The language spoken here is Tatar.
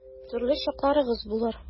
Төрле чакларыгыз булыр.